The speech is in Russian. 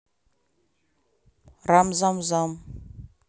рам зам зам